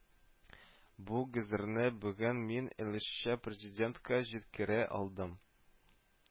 Бу гозерне бүген мин өлешчә президентка җиткерә алдым